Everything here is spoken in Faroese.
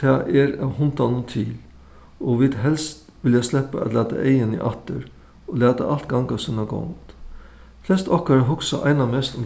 tað er av hundanum til og vit helst vilja sleppa at lata eyguni aftur og lata alt ganga sína gongd flestu okkara hugsa einamest um